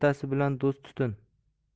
bittasi bilan do'st tutin